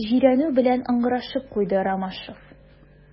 Җирәнү белән ыңгырашып куйды Ромашов.